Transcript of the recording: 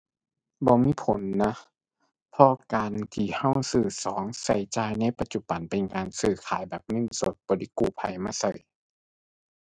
บ่มีผลนะ เพราะว่าการที่เราซื้อของ เราจ่ายในปัจจุบันเป็นการซื้อขายแบบเงินสด บ่ได้กู้ไผมาเรา